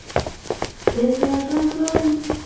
песня шансон